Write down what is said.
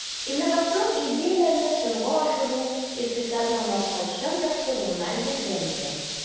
Инновацион идеяләрне чынга ашыру икътисадның максатчан яхшыруына ярдәм итә.